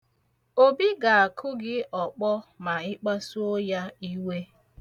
Obi ga-akụ gị ọkpọ ma ị kpasuo ya iwe.